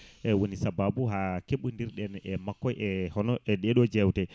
ewoni saababu ha keɓodirɗen e makko e hono e ɗeɗo jeewte